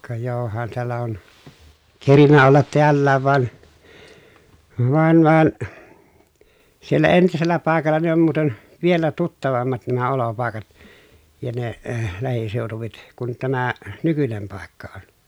ka johan täällä on kerinnyt olla täälläkin vaan vaan vaan siellä entisellä paikalla ne on muuten vielä tuttavammat nämä olopaikat ja ne lähiseudut kuin tämä nykyinen paikka on